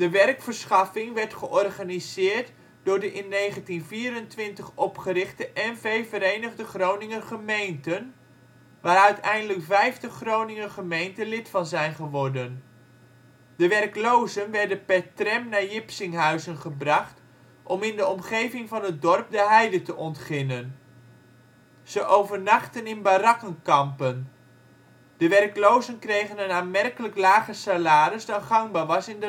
werkverschaffing werd georganiseerd door de in 1924 opgerichte NV Vereenigde Groninger Gemeenten, waar uiteindelijk 50 Groninger gemeenten lid van zijn geworden. De werklozen werden per tram naar Jipsinghuizen gebracht om in de omgeving van het dorp de heide te ontginnen. Ze overnachtten in barakkenkampen. De werklozen kregen een aanmerkelijk lager salaris dan gangbaar was